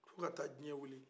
fo ka taa diɲɛ wili